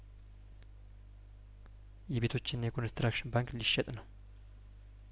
የቤቶችና የኮንስትራክሽን ባንክ ሊሸጥ ነው